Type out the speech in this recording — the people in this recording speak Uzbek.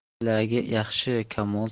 tilagi yaxshi kamol